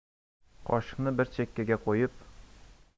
qoshiqni bir chekkaga qo'yib